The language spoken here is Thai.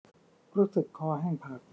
รู้สึกคอแห้งผาก